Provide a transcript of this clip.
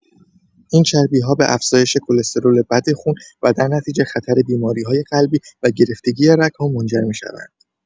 این چربی‌ها به افزایش کلسترول بد خون و در نتیجه خطر بیماری‌های قلبی و گرفتگی رگ‌ها منجر می‌شوند.